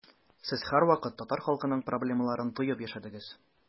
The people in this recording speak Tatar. Сез һәрвакыт татар халкының проблемаларын тоеп яшәдегез.